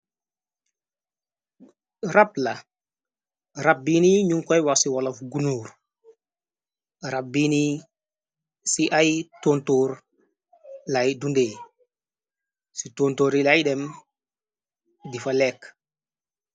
Rab la rab biini nyung koy wax ci wollof gunuur rab biini ci ay tontoor lay dundee ci tontoori lay dem di fa lekk.